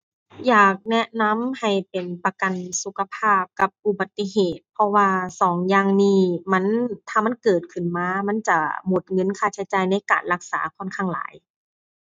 อยากแนะนำให้เป็นประกันสุขภาพกับอุบัติเหตุ เพราะว่าสองอย่างนี้มัน ถ้ามันเกิดขึ้นมา มันจะหมดเงินค่าใช้จ่ายในการรักษาค่อนข้างหลาย